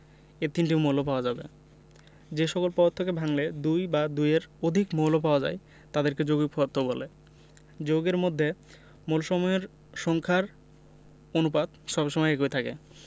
এ তিনটি মৌল পাওয়া যাবে যে সকল পদার্থকে ভাঙলে দুই বা দুইয়ের অধিক মৌল পাওয়া যায় তাদেরকে যৌগিক পদার্থ বলে যৌগের মধ্যে মৌলসমূহের সংখ্যার অনুপাত সব সময় একই থাকে